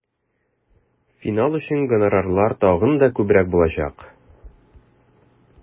Финал өчен гонорарлар тагын да күбрәк булачак.